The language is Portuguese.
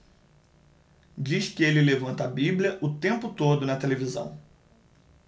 diz que ele levanta a bíblia o tempo todo na televisão